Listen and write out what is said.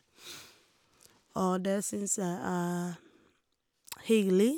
Og det syns jeg er hyggelig.